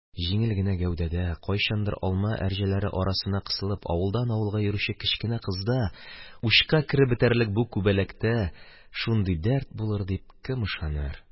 Җиңел генә гәүдәдә, кайчандыр алма әрҗәләре арасына кысылып авылдан авылга йөрүче кечкенә кызда, учка кереп бетәрлек бу күбәләктә шундый дәрт булыр дип кем ышаныр,